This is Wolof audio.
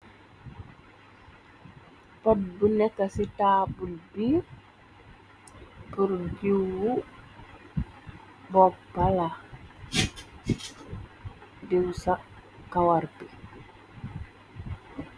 Pot bu neka ci taabul biir purrdiwwu boppala diw sa kawar bi.